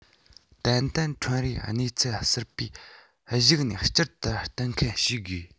ཏན ཏན ཁྲོམ རའི གནས ཚུལ གསར པར གཞིགས ནས བསྐྱར དུ གཏན འཁེལ བྱེད དགོས